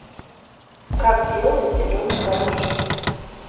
как делают зеленый горошек